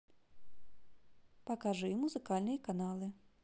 покажи музыкальные каналы